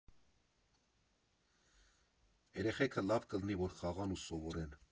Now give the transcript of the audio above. Երեխեքը լավ կլինի, որ խաղան ու սովորեն։